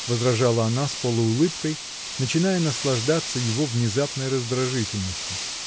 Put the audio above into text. — возражала она с полуулыбкой, начиная наслаждаться его внезапной раздражительностью.